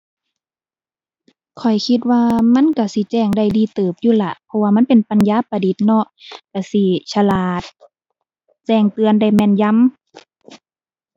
ข้อยคิดว่ามันก็สิแจ้งได้ดีเติบอยู่ล่ะ เพราะว่ามันเป็นปัญญาประดิษฐ์เนาะ ก็สิฉลาด แจ้งเตือนได้แม่นยำ